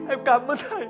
em cám ơn thầy